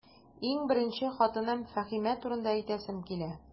Иң беренче, хатыным Фәһимә турында әйтәсем килә.